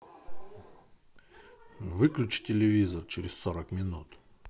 выключи телевизор через сорок минут